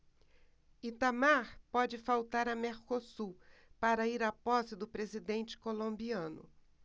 itamar pode faltar a mercosul para ir à posse do presidente colombiano